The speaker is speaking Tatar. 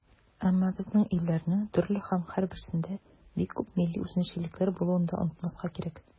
Әмма безнең илләрнең төрле һәм һәрберсендә бик күп милли үзенчәлекләр булуын да онытмаска кирәк.